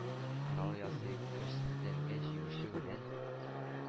Корал ясый, көчсезләнгән җиңүче белән